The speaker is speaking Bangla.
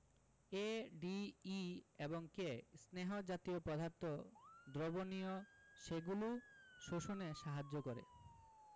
A D E এবং K স্নেহ জাতীয় পদার্থ দ্রবণীয় সেগুলো শোষণে সাহায্য করে